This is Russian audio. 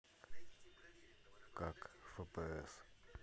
как фпс